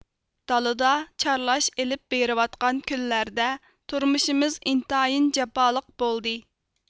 دالىدا چارلاش ئېلىپ بېرىۋاتقان كۈنلەردە تۇرمۇشىمىز ئىنتايىن جاپالىق بولدى